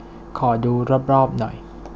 ขอดูรอบรอบหน่อย